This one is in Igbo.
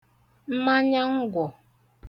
mmanyangwọ̀